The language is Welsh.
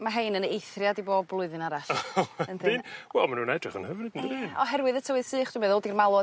ma' hein yn eithriad i bob blwyddyn arall. Yndi? Wel ma' nw'n edrych yn hyfryd yndydi? Ie oherwydd y tywydd sych dwi'n meddwl 'di'r malwod